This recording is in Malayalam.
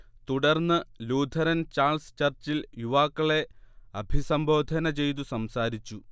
തുടർന്ന് ലൂഥറൻ ചാൾസ് ചർച്ചിൽ യുവാക്കളെ അഭിസംബോധന ചെയ്തു സംസാരിച്ചു